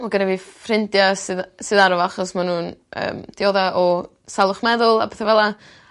ma' gynno fi ffrindia sydd yy sydd aro fo achos ma' nw'n yym diodda o salwch meddwl a petha fel 'a.